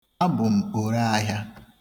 Abụ m oraahịa.